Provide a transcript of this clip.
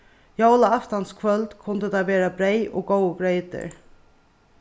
jólaaftanskvøld kundi tað vera breyð og góður greytur